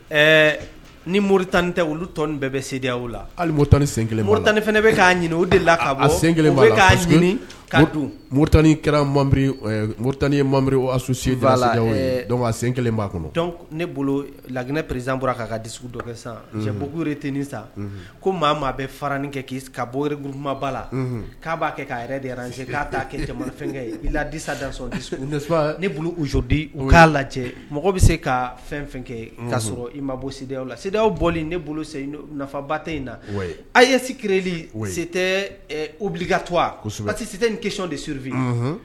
Ɛɛ ni mori tan ni tɛ olu tɔn bɛɛ bɛ sediw la hali mo tan ni sen kelen mori tanin fana bɛ k'a ɲini o de la' sen kelen e k' mo mut kɛrari mo tan marisu senfa la sen kelen b' kɔnɔ ne bolo laginɛ presiz bɔra k'a ka di dusu dɔ kɛ san cɛ botini sa ko maa maa bɛ farain kɛ k'i ka bɔmaba la k'a b'a kɛ k'a yɛrɛ de se k'a ta kɛ jamanafɛnkɛ ye ladisa da sɔrɔ ne bolo uodi u k'a lajɛ mɔgɔ bɛ se ka fɛn fɛn kɛ k ka sɔrɔ i ma bɔ sidiw la sediw bɔ bolo nafaba ta in na a ye sikili se tɛ ubilika tosi tɛ ni kec de surfin